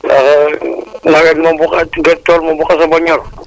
nawet moom bu xa tool moom bu xasee ba ñor